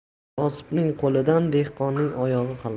kosibning qo'lidan dehqonning oyog'i halol